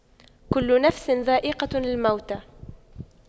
كُلُّ نَفسٍ ذَائِقَةُ المَوتِ